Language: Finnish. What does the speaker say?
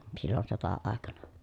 silloin sota-aikana